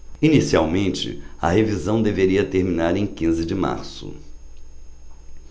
inicialmente a revisão deveria terminar em quinze de março